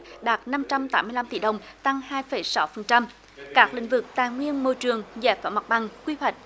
đạt năm trăm tám mươi lăm tỷ đồng tăng hai phẩy sáu phần trăm các lĩnh vực tài nguyên môi trường giải phóng mặt bằng quy hoạch